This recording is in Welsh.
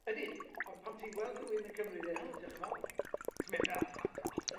Ydyn, ond pan ti'n gweld rhywun yn cymryd e, o, diolch yn fawr, ti'n mynd, oh, fuck off.